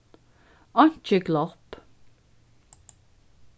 einki glopp